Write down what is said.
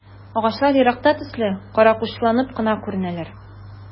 Агачлар еракта төсле каракучкылланып кына күренәләр.